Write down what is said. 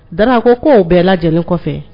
Dakaw' bɛɛ la lajɛlenni kɔfɛ